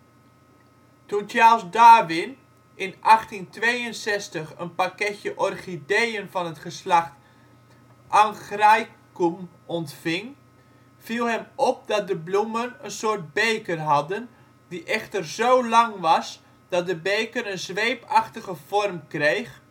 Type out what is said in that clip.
Toen Charles Darwin in 1862 een pakketje orchideeën van het geslacht Angraecum ontving viel hem op dat de bloemen een soort beker hadden die echter zo lang was dat de beker een zweepachtige vorm kreeg